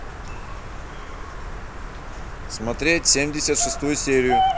смотреть семьдесят шестую серию